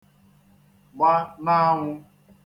gba n'anwụ̄